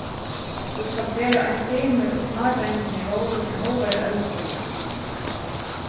tú skalt vera eins fimur og smádreingirnir vóru fyri hálvari øld síðan